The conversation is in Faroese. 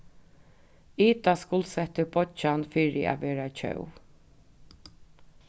ida skuldsetti beiggjan fyri at vera tjóv